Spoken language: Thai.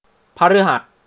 พฤหัส